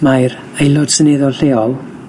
Mae'r Aelod Seneddol lleol